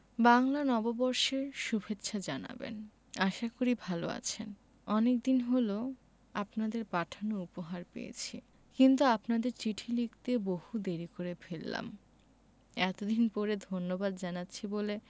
বাংলা নববর্ষের সুভেচ্ছা জানাবেন আশা করি ভালো আছেন অনেকদিন হল আপনাদের পাঠানো উপহার পেয়েছি কিন্তু আপনাদের চিঠি লিখতে বহু দেরী করে ফেললাম এতদিন পরে ধন্যবাদ জানাচ্ছি বলে